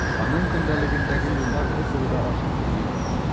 Аның көндәлегендәге юллар бу турыда ачык сөйлиләр.